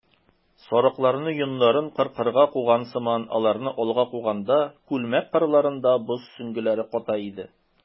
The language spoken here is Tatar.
Сарыкларны йоннарын кыркырга куган сыман аларны алга куганда, күлмәк кырларында боз сөңгеләре ката иде.